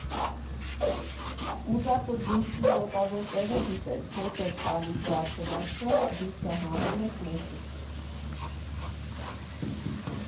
Ուզածդ դիսկի մոտավոր տեղը գիտես՝ հետ ես տալիս դարսվածքը, դիսկը հանում ես մեջից։